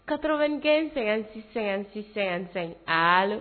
Katogɛn sɛgɛn sisansɛ sisansɛ sɛgɛn